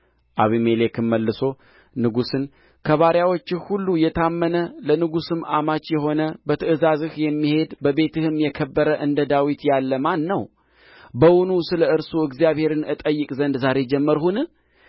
አቢሜሌክም መልሶ ንጉሡን ከባሪያዎችህ ሁሉ የታመነ ለንጉሥም አማች የሆነ በትእዛዝህ የሚሄድ በቤትህም የከበረ እንደ ዳዊት ያለ ማን ነው በውኑ ስለ እርሱ እግዚአብሔርን እጠይቅ ዘንድ ዛሬ ጀመርሁን